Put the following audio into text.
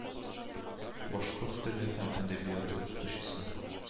Башкорт теле һәм әдәбияты укытучысы